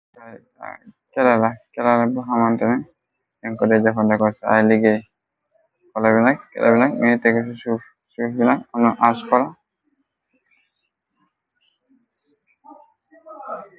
Akelala ba hamantene yonkoda jafonde korce ay liggéey kolakelabinak may tegsu shuff binak amno agh kola.